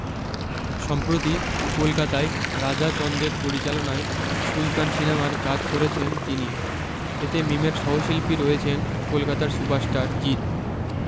সম্প্রতি কলকাতায় রাজা চন্দের পরিচালনায় সুলতান সিনেমার কাজ করেছেন তিনি এতে মিমের সহশিল্পী রয়েছেন কলকাতার সুপারস্টার জিৎ